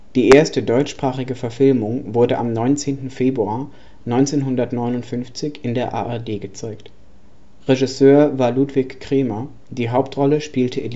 Die erste deutschsprachige Verfilmung wurde am 19. Februar 1959 in der ARD gezeigt. Regisseur war Ludwig Cremer, die Hauptrolle spielte